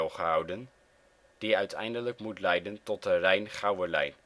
gehouden, die uiteindelijk moet leiden tot de RijnGouwelijn